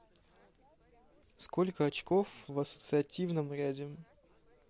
сколько очков в ассоциативном ряде